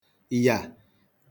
yà